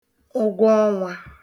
ụgwọọnwā